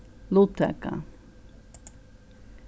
luttaka